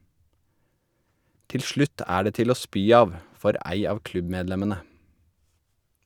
Til slutt er det til å spy av - for ei av klubbmedlemmene.